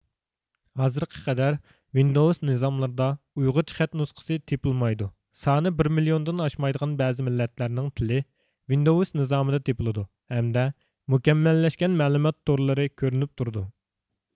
ھازىرغا قەدەر ۋىندوۋۇس نىزاملىرىدا ئۇيغۇرچە خەت نۇسخىسى تېپىلمايدۇ سانى بىر مىليوندىن ئاشمايدىغان بەزى مىللەتلەرنىڭ تىلى ۋىندوۋۇس نىزامىدا تېپىلىدۇ ھەمدە مۇكەممەللەشكەن مەلۇمات تورلىرى كۆرۈنۈپ تۇرىدۇ